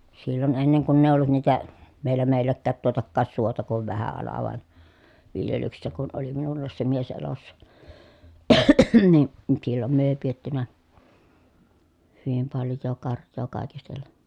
silloin ennen kun ei ollut niitä vielä meilläkään tuotakaan suota kuin vähä ala vain viljelyksessä kun oli minullakin se mies elossa niin silloin me ei pidetty hyvin paljoa karjaa kaikistellen